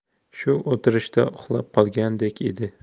shu o'tirishda uxlab qolgandek edi